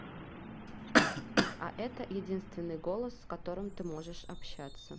а это единственный голос с которым ты можешь общаться